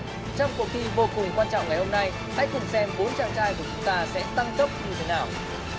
trong cuộc thi vô cùng quan trọng ngày hôm nay hãy cùng xem bốn chàng trai của chúng ta sẽ tăng tốc như thế nào